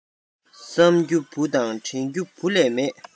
བསམ རྒྱུ བུ དང དྲན རྒྱུ བུ ལས མེད